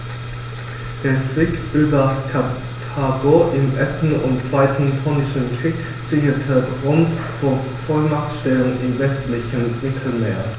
Der Sieg über Karthago im 1. und 2. Punischen Krieg sicherte Roms Vormachtstellung im westlichen Mittelmeer.